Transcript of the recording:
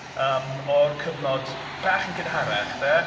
Yym o'r cyfnod, bach yn gynharach 'de